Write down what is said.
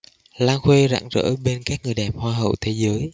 lan khuê rạng rỡ bên các người đẹp hoa hậu thế giới